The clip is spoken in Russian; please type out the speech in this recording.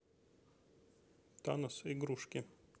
танос игрушки